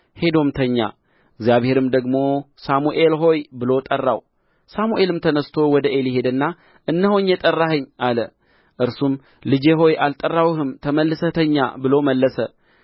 ሄዶም ተኛ እግዚአብሔርም ደግሞ ሳሙኤል ሆይ ብሎ ጠራው ሳሙኤልም ተነሥቶ ወደ ዔሊ ሄደና እነሆኝ የጠራኸኝ አለው እርሱም ልጄ ሆይ አልጠራሁህም ተመልሰህ ተኛ ብሎ መለሰ